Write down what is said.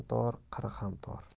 tor qir ham tor